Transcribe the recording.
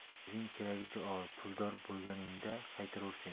o'zing keragicha ol puldor bo'lganingda qaytarursen